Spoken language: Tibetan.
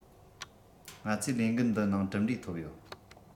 ང ཚོས ལས འགུལ འདི ནང གྲུབ འབྲས ཐོབ ཡོད